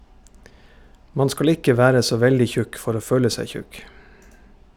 Man skal ikke være så veldig tjukk for å føle seg tjukk.